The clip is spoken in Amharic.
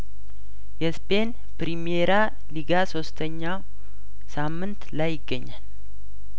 የስፔን ፕሪሜራ ሊጋ ሶስተኛው ሳምንት ላይ ይገኛል